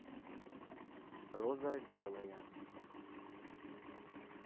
роза белая